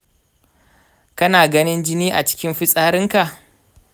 kana ganin jini a cikin fitsarinka?